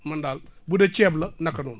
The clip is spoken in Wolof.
man daal bu dee ceeb la naka noonu